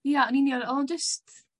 Ia yn union odd o'n jyst